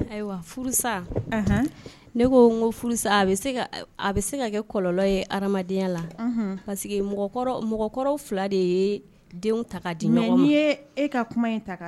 Ayiwa furu ne ko ko a bɛ se ka kɛ kɔlɔ yedenya la parce que mɔgɔkɔrɔ fila de ye denw ta di ɲɔgɔn ye e ka kuma